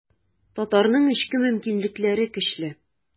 Татарның эчке мөмкинлекләре көчле.